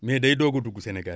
mais day doog a dugg Sénégal